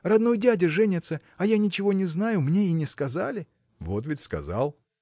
Родной дядя женится, а я ничего не знаю, мне и не сказали!. – Вот ведь сказал.